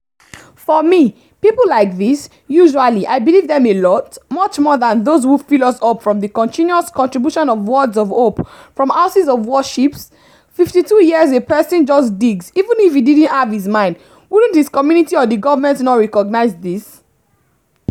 For me, people like these, usually I believe them a lot, much more than those who fill us [up] from continuous contributions of words of hope from houses of worship, 52 years a person just digs — if he didn't have his mind, wouldn't his community or the government not recognize this?